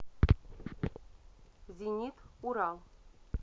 зенит урал